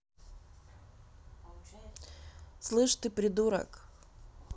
слышь ты придурок